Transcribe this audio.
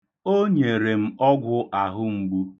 O nyere m ọgwụ ahụmgbu.